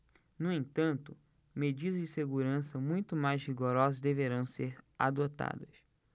no entanto medidas de segurança muito mais rigorosas deverão ser adotadas